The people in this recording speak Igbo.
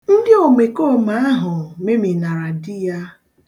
Ndị omekoome ahụ meminara di ya.